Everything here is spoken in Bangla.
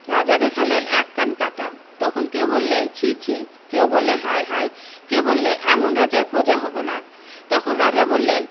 রাজা দেখালেন এক কান কাটা তখন কেউ বললে ছি ছি কেউ বললে হায় হায় কেউ বললে এমন রাজার প্ৰজা হব না তখন রাজা বললেন